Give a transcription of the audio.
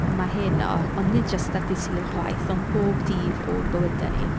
Yma heno ond nid jyst ar ddydd Sul chwaith ond bob dydd o'n bywydau ni.